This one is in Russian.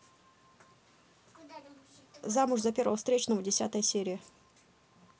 замуж за первого встречного десятая серия